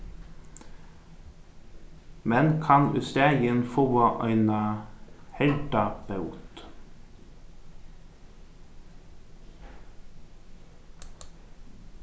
men kann í staðin fáa eina herda bót